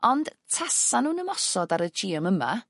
Ond tasa nw'n ymosod ar y Geum yma